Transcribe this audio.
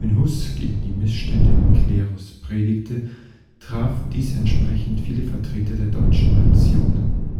Hus gegen die Missstände im Klerus predigte, traf dies entsprechend viele Vertreter der deutschen Nationen